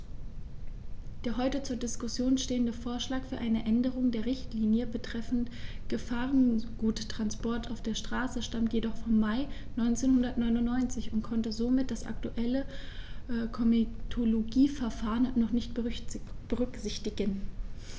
Der heute zur Diskussion stehende Vorschlag für eine Änderung der Richtlinie betreffend Gefahrguttransporte auf der Straße stammt jedoch vom Mai 1999 und konnte somit das aktuelle Komitologieverfahren noch nicht berücksichtigen.